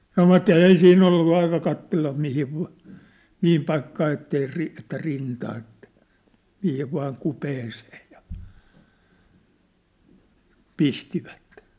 sanoivat ei siinä ollut aikaa katsella mihin - mihin paikkaan että ei - että rintaan että mihin vain kupeeseen ja pistivät